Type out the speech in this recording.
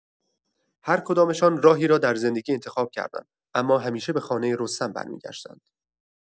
هر کدامشان راهی را در زندگی انتخاب کردند، اما همیشه به خانۀ رستم برمی‌گشتند.